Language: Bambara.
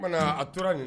Oumana a tora nin